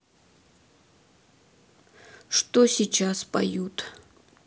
что сейчас поют